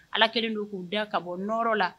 Ala kelen don k'u da ka bɔ nɔɔrɔ la